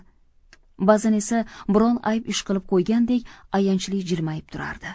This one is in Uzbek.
ba'zan esa biron ayb ish qilib qo'ygandek ayanchli jilmayib turardi